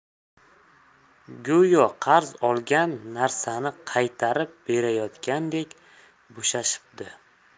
go'yo qarz olgan narsasini qaytarib berayotgandek bo'shashibdi